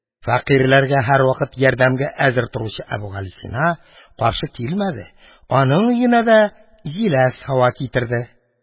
Фәкыйрьләргә һәрвакыт ярдәмгә әзер торучы Әбүгалисина каршы килмәде, аның өенә дә җиләс һава китерде.